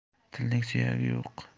tilning suyagi yo'q